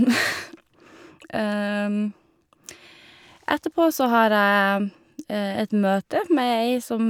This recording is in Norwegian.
Etterpå så har jeg et møte med ei som...